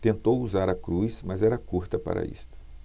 tentou usar a cruz mas era curta para isto